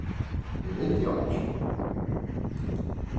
eg vildi einki